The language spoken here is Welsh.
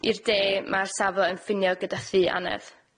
i'r de ma'r safle yn ffinio gyda thŷ annedd.